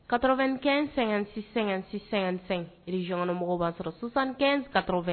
Kat2-ɛn----sɛ riyɔnmɔgɔ b'a sɔrɔ ssanɛn-ka2